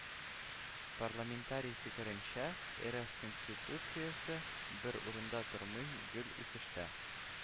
Парламентарий фикеренчә, РФ Конституциясе бер урында тормый, гел үсештә